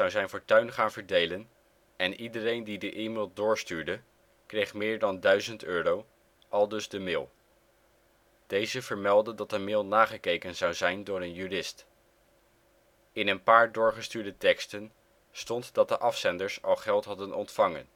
zijn fortuin gaan verdelen en iedereen die die e-mail doorstuurde kreeg meer dan duizend euro, aldus de mail. Deze vermeldde dat de mail nagekeken zou zijn door een jurist. In een paar doorgestuurde teksten stond dat de afzenders al geld hadden ontvangen